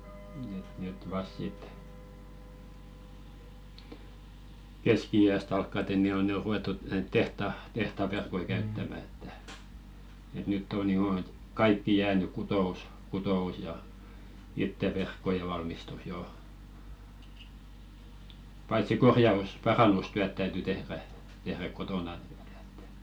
että nyt vasta sitten keski-iästä alkaen niin on ne on ruvettu näitä tehtaan tehtaan verkkoja käyttämään että että nyt on jo että kaikki jäänyt kutous kutous ja itse verkkojen valmistus jo paitsi - parannustyöt täytyi tehdä tehdä kotona niin että